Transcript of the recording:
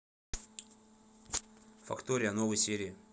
фактория новые серии